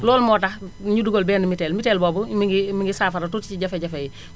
loolu moo tax ñu dugal benn mutuel mutuel boobu mi ngi mi ngi saafara tuuti si jafe-jafe yi